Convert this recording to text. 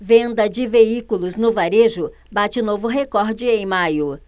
venda de veículos no varejo bate novo recorde em maio